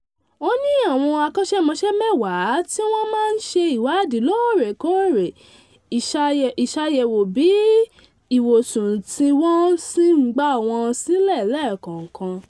Ó ní àwọn akọ́ṣẹmọṣẹ́ mẹ́wàá, tí wọ́n máa \n ṣe ìwádìí lóòrèkóòrè, ìṣàyẹ̀wò ibi ìwọ̀sùn tí wọ́n sì ń gbà wọ́n sílẹ̀ lẹ́ẹ̀kọ̀ọ̀kan.